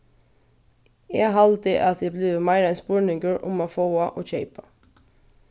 eg haldi at tað er blivið meira ein spurningur um at fáa og keypa